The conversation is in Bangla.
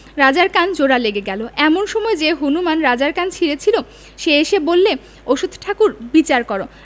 রাজার কান জোড়া লেগে গেল এমন সময় যে হনুমান রাজার কান ছিঁড়েছিল সে এসে বললে অশ্বথ ঠাকুর বিচার কর